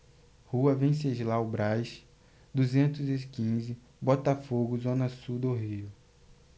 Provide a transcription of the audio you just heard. rua venceslau braz duzentos e quinze botafogo zona sul do rio